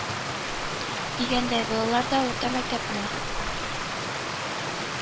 Дигәндәй, балалар да урта мәктәпне